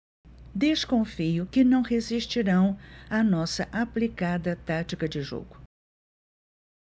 desconfio que não resistirão à nossa aplicada tática de jogo